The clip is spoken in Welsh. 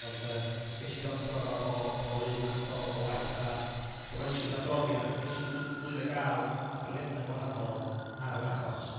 ond yy ges i ei ddoctor o o o'r un math o o waith, a roes i'r adroddiad, ges i lwy- lwyddo i gael adroddiadau gwahanol ar yr achos.